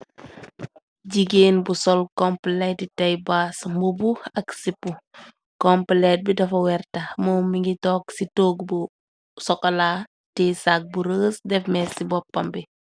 Jigeen bu sol kompuletti tey baas mbobu ak sipu kompulete bi dafa werta moo mi ngi toog ci toogu bu sokola tee sag bu rëes defmee ci boppam bi.